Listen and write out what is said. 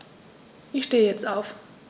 Ich stehe jetzt auf.